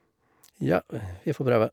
Ja, vi får prøve.